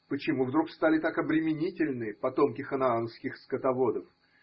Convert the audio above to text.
Почему вдруг стали так обременительны потомки ханаанских скотоводов?